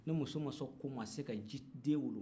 ni muso ma sɔn ko ma a tɛ se ka den wolo